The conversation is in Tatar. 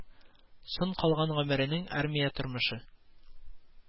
Соң калган гомерен армия тормышы